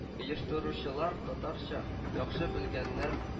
Оештыручылар татарча яхшы белгәннәр